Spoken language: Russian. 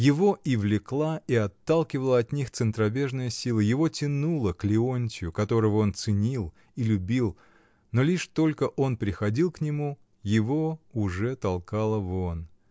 Его и влекла, и отталкивала от них центробежная сила: его тянуло к Леонтью, которого он ценил и любил, но лишь только он приходил к нему, его уже толкало вон.